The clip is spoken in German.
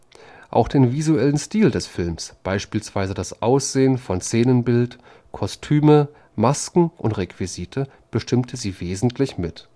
Auch den visuellen Stil des Films – beispielsweise das Aussehen von Szenenbild, Kostüme, Maske und Requisiten – bestimmte sie wesentlich mit